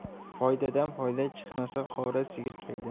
foydadan foyda chiqmasa qora sigir qayda